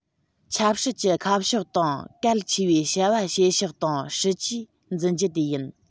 ཆབ སྲིད ཀྱི ཁ ཕྱོགས དང གལ ཆེ བའི བྱ བ བྱེད ཕྱོགས དང སྲིད ཇུས འཛིན རྒྱུ དེ ཡིན